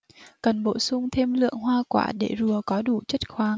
cần bổ sung thêm lượng hoa quả để rùa có đủ chất khoáng